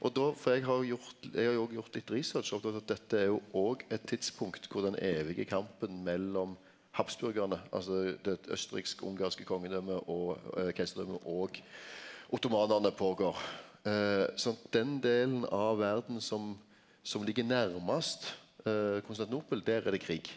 og då for eg har gjort eg har òg gjort litt research dette er jo òg eit tidspunkt kor den evige kampen mellom habsburgarane, altså det Østerrik-Ungarske kongedømmet og keisardømmet og ottomanarane går føre seg så den delen av verda som som ligg nærmast Konstantinopel der er det krig.